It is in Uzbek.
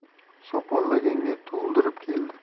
sopol laganga to'ldirib keldi